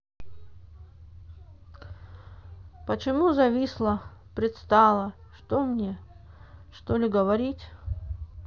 почему зависла предстала что мне что ли говорить